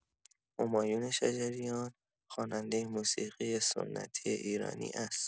همایون شجریان خواننده موسیقی سنتی ایرانی است.